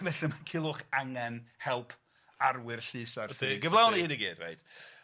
Felly ma' Culhwch angen help arwyr llys Arthur i gyflawni hyn i gyd. Reit.